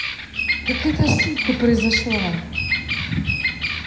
какая то ошибка произошла